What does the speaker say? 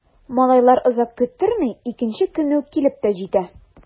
Малайлар озак көттерми— икенче көнне үк килеп тә җитә.